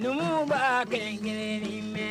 Numu bba kɛ gɛlɛn mɛn